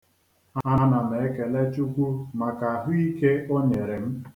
A na m ekele Chukwu maka ahụike o nyere m.